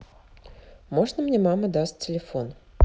можно мне мама даст телефон